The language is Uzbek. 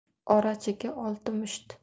orachiga olti musht